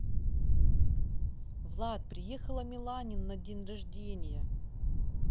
vlad приехала миланин на день рождения